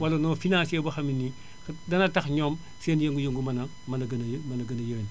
wala non financier boo xam ne nii dana tax ñoom seen yëngu-yëngu mën a mën a gën a mën a gën a yëngu